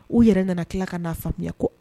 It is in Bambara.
U yɛrɛ nana tila ka n'a faamuyamuya ko